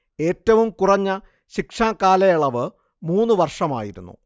ഏറ്റവും കുറഞ്ഞ ശിക്ഷാ കാലയളവ് മൂന്നു വർഷമായിരുന്നു